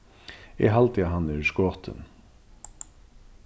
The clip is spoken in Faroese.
eg haldi at hann er skotin